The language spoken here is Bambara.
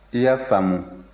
i y'a faamu